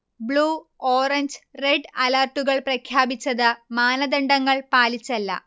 blue, orange, red അലർട്ടുകൾ പ്രഖ്യാപിച്ചത് മാനദണ്ഡങ്ങൾ പാലിച്ചല്ല